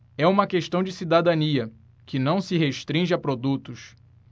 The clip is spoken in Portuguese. é uma questão de cidadania que não se restringe a produtos